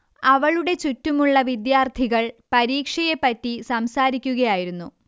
അവളുടെ ചുറ്റുമുള്ള വിദ്യാർത്ഥികൾ പരീക്ഷയെ പറ്റി സംസാരിക്കുകയായിരുന്നു